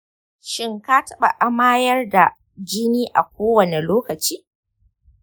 shin ka taba amayar da jini a kowane lokaci?